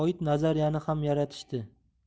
oid nazariyani ham yaratishdi